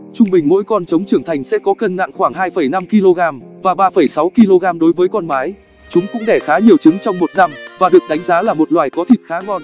trung bình mỗi con trống trưởng thành sẽ có cân nặng khoảng kg và kg đối với con mái chúng cũng đẻ khá nhiều trứng trong một năm và được đánh giá là một loài có thịt khá ngon